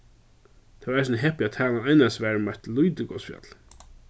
tað var eisini heppið at talan einans er um eitt lítið gosfjall